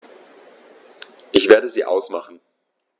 Ich werde sie ausmachen.